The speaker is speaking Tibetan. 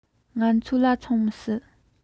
ང ཚོ ལ བཙོང མི སྲིད